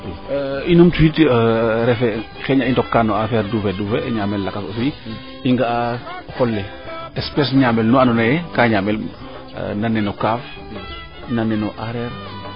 i numtu wiid refe xayna i ndoka no affaire duufe duufe ñaamel aussi i nga'a o qol le espece ñaamel nu ando naye kaa ñaamel nan neno kaaf nan neno areer